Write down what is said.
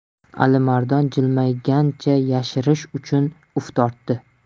alimardon jilmaygancha yashirish uchun uf tortdi